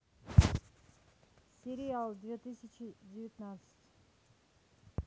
сериал две тысячи девятнадцать